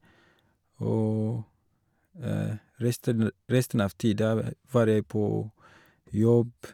Og resten resten av tida ve var jeg på jobb.